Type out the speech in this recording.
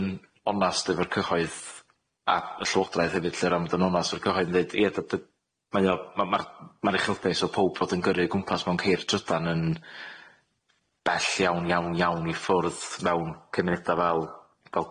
yn onast efo'r cyhoedd a y Llywodraeth hefyd lly ra'n fod yn onast o'r cyhoedd yn ddeud ie dy- dy- mae o ma' ma' ma' ma'r ucheldes o powb fod yn gyrru o gwmpas mewn ceir trydan yn bell iawn iawn iawn i ffwrdd mewn cymuneda fel fel